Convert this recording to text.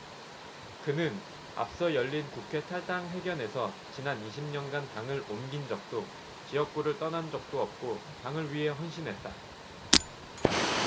그는 앞서 열린 국회 탈당 회견에서 지난 이십 년간 당을 옮긴 적도 지역구를 떠난 적도 없고 당을 위해 헌신했다